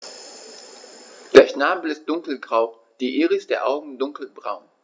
Der Schnabel ist dunkelgrau, die Iris der Augen dunkelbraun.